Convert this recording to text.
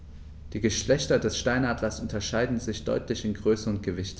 Die Geschlechter des Steinadlers unterscheiden sich deutlich in Größe und Gewicht.